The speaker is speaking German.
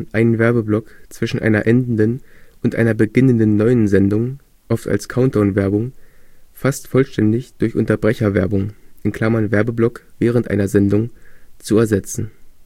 ein Werbeblock zwischen einer endenden und einer beginnenden neuen Sendung; oft als „ Countdown-Werbung “) fast vollständig durch Unterbrecherwerbung (Werbeblock während einer Sendung) zu ersetzen